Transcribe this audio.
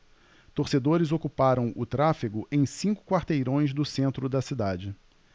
torcedores ocuparam o tráfego em cinco quarteirões do centro da cidade